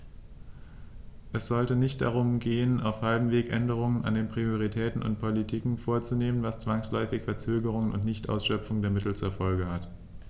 Es sollte nicht darum gehen, auf halbem Wege Änderungen an den Prioritäten und Politiken vorzunehmen, was zwangsläufig Verzögerungen und Nichtausschöpfung der Mittel zur Folge hat.